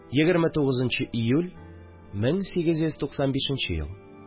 29 нчы июль, 1895 ел